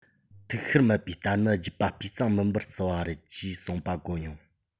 ཐིག ཤར མེད པའི རྟ ནི རྒྱུད པ སྤུས གཙང མིན པར བརྩི པ རེད ཅེས གསུངས པ གོ མྱོང